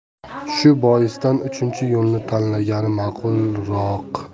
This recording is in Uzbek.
shu boisdan uchinchi yo'lni tanlagani maqulroq